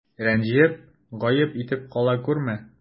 Рәнҗеп, гаеп итеп кала күрмә.